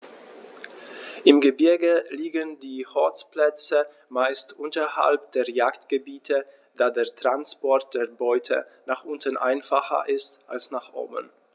Im Gebirge liegen die Horstplätze meist unterhalb der Jagdgebiete, da der Transport der Beute nach unten einfacher ist als nach oben.